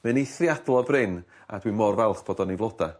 Mae'n eithriadol o brin a dwi mor falch bod o yn 'i floda.